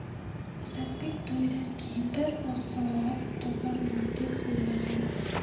asadbek to'ydan keyin bir oz halovat toparman deb o'ylagan edi